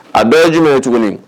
A bɛɛ ye jumɛn ye tuguni?